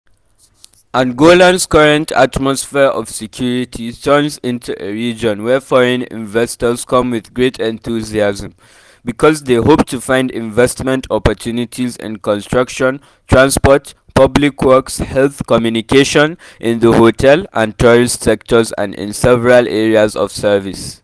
Angolan's current atmosphere of security turns it into a region where foreign investors come with great enthusiasm, because they hope to find investment opportunities in construction, transport, public works, health, communication, in the hotel and tourist sectors and in several areas of service.”